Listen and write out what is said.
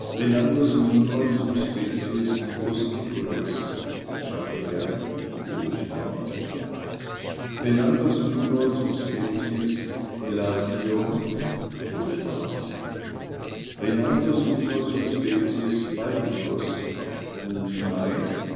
Rhinanthus minor subsp. rusticulus (Chabert) O. Schwarz Rhinanthus minor subsp. elatior O. Schwarz Rhinanthus minor subsp. balticus (U. Schneid.) U. Schneid